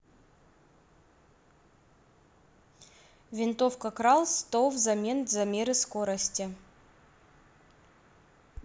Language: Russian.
винтовка крал сто взамен замеры скорости